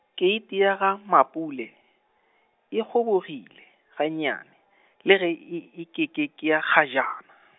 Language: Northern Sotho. keiti ya ga Mapule, e kgobogile, ganyane , le ge e e ke ke ke ya kgajana.